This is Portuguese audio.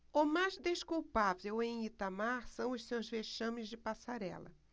o mais desculpável em itamar são os seus vexames de passarela